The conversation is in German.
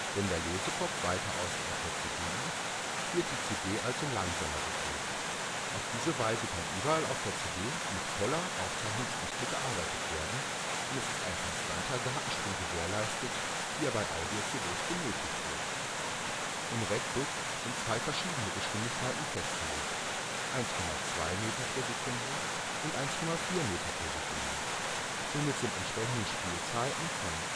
Wenn der Lesekopf weiter außen auf der CD liest, wird die CD also langsamer gedreht. Auf diese Weise kann überall auf der CD mit voller Aufzeichnungsdichte gearbeitet werden und es ist ein konstanter Datenstrom gewährleistet, wie er bei Audio-CDs benötigt wird. Im Red Book sind zwei verschiedene Geschwindigkeiten festgelegt, 1,2 m/s und 1,4 m/s. Somit sind entsprechend Spielzeiten von